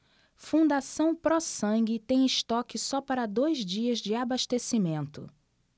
fundação pró sangue tem estoque só para dois dias de abastecimento